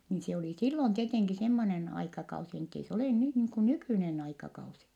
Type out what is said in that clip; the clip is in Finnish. niin se oli silloin tietenkin semmoinen aikakausi niin että ei se ole nyt niin kuin nykyinen aikakausi